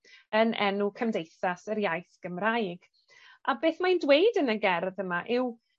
yn enw Cymdeithas yr Iaith Gymraeg. A beth mae'n dweud yn y gerdd yma yw